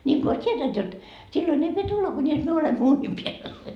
niin kuin olisi tietänyt jotta silloin ei pidä tulla kunis me olemme uunin päällä